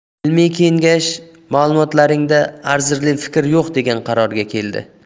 ilmiy kengash malumotlaringda arzirli fikr yo'q degan qarorga kelibdi